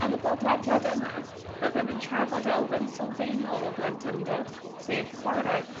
Yn y bodlediad yma byddem yn trafod elfen sylfaenol o blentyndod, sef chwarae.